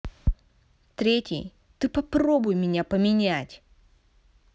третий ты попробуй меня поменять